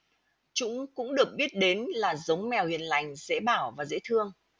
chúng cũng được biết đến là giống mèo hiền lành dễ bảo và dễ thương